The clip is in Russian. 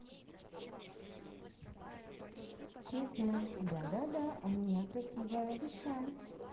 песня да да да у меня красивая душа